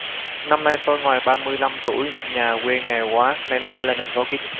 năm nay tôi ngoài ba mươi lăm tuổi nhà quê nghèo quá nên phải lên thành phố kiếm sống